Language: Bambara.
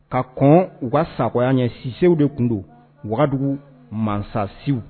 Ka kɔn wa sakɔya ɲɛ sisew de tun don wagadugu mansasiww